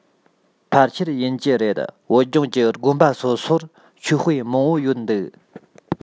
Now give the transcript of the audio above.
ཕལ ཆེར ཡིན གྱི རེད བོད ལྗོངས ཀྱི དགོན པ སོ སོར ཆོས དཔེ མང པོ ཡོད འདུག